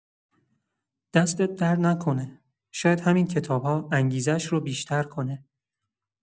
دستت درد نکنه، شاید همین کتاب‌ها انگیزه‌ش رو بیشتر کنه.